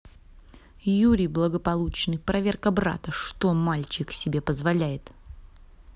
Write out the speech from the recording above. юрий благополучный проверка брата что мальчик себе позволяет